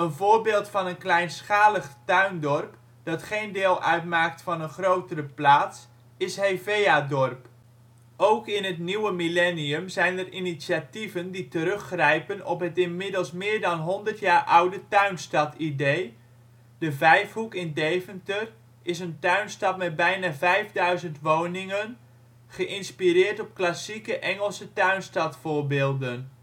voorbeeld van een kleinschalig tuindorp dat geen deel uitmaakt van een grotere plaats is Heveadorp. Ook in het nieuwe millennium zijn er initiatieven die teruggrijpen op de inmiddels meer dan 100 jaar oude tuinstad-idee: De Vijfhoek in Deventer is een tuinstad met bijna 5000 woningen geïnspireerd op klassieke Engelse tuinstadvoorbeelden